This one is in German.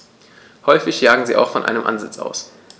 Häufig jagen sie auch von einem Ansitz aus.